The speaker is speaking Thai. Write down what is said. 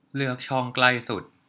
เลือกช่องใกล้สุด